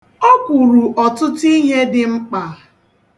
O kwuru ọtụtụ ihe dị mkpa.